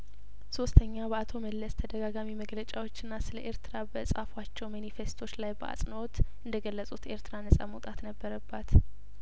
ሶስተኛ በአቶ መለስ ተደጋጋሚ መግለጫዎችና ስለኤርትራ በጻ ፏቸው ሜኒፌስቶዎች ላይ በአጽንኦት እንደገለጹት ኤርትራ ነጻ መውጣት ነበረባት